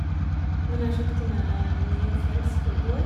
Men jeg kjøpte meg nye fjellsko i går.